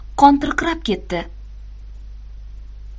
qon tirqirab ketdi